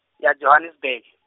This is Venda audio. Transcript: ya Johannesburg.